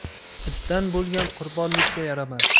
itdan bo'lgan qurbonlikka yaramas